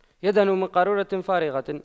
يدهن من قارورة فارغة